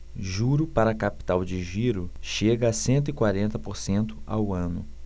juro para capital de giro chega a cento e quarenta por cento ao ano